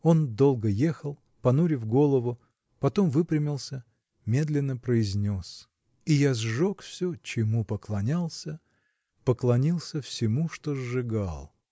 Он долго ехал, понурив голову, потом выпрямился, медленно произнес: И я сжег все, чему поклонялся, Поклонился всему, что сжигал.